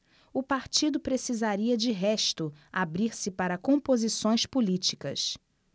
o partido precisaria de resto abrir-se para composições políticas